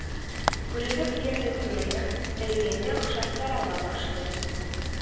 Күренеп диярлек зурая, эрегәнгә охшап тарала башлый